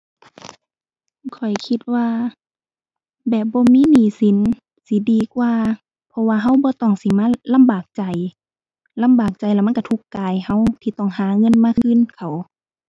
ข้อยคิดว่าแบบบ่มีหนี้สินสิดีกว่า เพราะว่าเราบ่ต้องสิมาลำบากใจ ลำบากใจแล้วมันเราทุกข์กายเราที่ต้องหาเงินมาคืนเขา